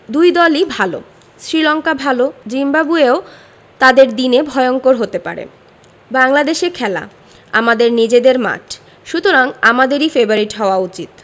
দুই দলই ভালো শ্রীলঙ্কা ভালো জিম্বাবুয়েও তাদের দিনে ভয়ংকর হতে পারে বাংলাদেশে খেলা আমাদের নিজেদের মাঠ সুতরাং আমাদেরই ফেবারিট হওয়া উচিত